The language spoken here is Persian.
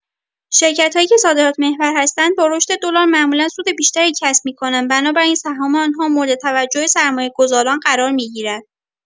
شرکت‌هایی که صادرات محور هستند با رشد دلار معمولا سود بیشتری کسب می‌کنند، بنابراین سهام آنها مورد توجه سرمایه‌گذاران قرار می‌گیرد.